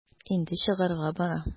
Инде чыгарга бара.